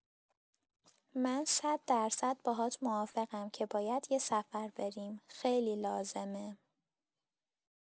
من صددرصد باهات موافقم که باید یه سفر بریم، خیلی لازمه!